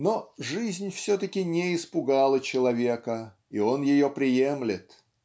Но жизнь все-таки не испугала человека, и он ее приемлет.